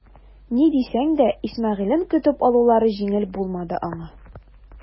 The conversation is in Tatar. Ни дисәң дә Исмәгыйлен көтеп алулары җиңел булмады аңа.